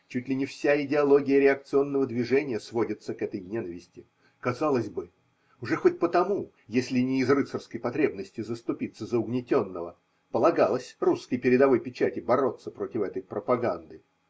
чуть ли не вся идеология реакционного движения сводится к этой ненависти, казалось бы, уже хоть потому, если не из рыцарской потребности заступиться за угнетенного, полагалось русской передовой печати бороться против этой пропаганды.